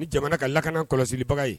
Ni jamana ka lakana kɔlɔsi baga ye.